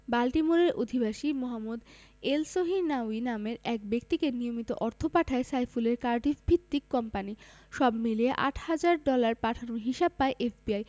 বাল্টিমোরের অধিবাসী মোহাম্মদ এলসহিনাউয়ি নামের এক ব্যক্তিকে নিয়মিত অর্থ পাঠায় সাইফুলের কার্ডিফভিত্তিক কোম্পানি সব মিলিয়ে আট হাজার ডলার পাঠানোর হিসাব পায় এফবিআই